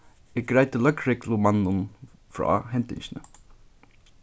eg greiddi løgreglumanninum frá hendingini